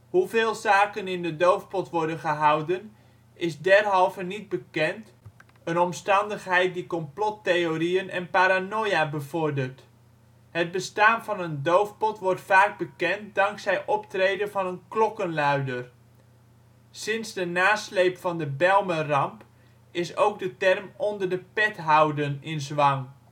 Hoeveel zaken in de doofpot worden gehouden is derhalve niet bekend, een omstandigheid die complottheorieën en paranoia bevordert. Het bestaan van een doofpot wordt vaak bekend dankzij optreden van een klokkenluider. Sinds de nasleep van de Bijlmerramp is ook de term " onder de pet houden " in zwang